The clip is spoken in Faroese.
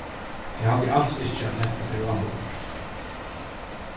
eg haldi als ikki at hetta er áhugavert